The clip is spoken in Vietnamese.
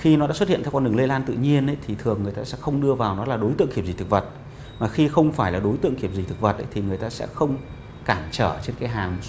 khi nó đã xuất hiện theo con đường lây lan tự nhiên ấy thì thường người ta sẽ không đưa vào nó là đối tượng kiểm dịch thực vật và khi không phải là đối tượng kiểm dịch thực vật thì người ta sẽ không cản trở cho cái hàng